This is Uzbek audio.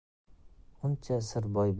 uncha sir boy